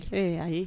Ee ayi.